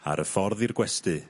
Ar y ffordd i'r gwesty